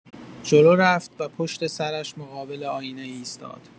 جلو رفت و پشت سرش مقابل آینه ایستاد.